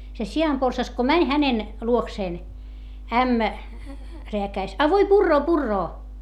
se sianporsas kun meni hänen luokseen ämmä rääkäisi a voi puree puree